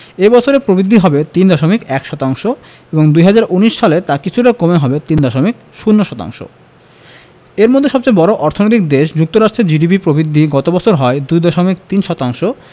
এ বছর প্রবৃদ্ধি হবে ৩.১ শতাংশ এবং ২০১৯ সালে তা কিছুটা কমে হবে ৩.০ শতাংশ এর মধ্যে সবচেয়ে বড় অর্থনৈতিক দেশ যুক্তরাষ্ট্রের জিডিপি প্রবৃদ্ধি গত বছর হয় ২.৩ শতাংশ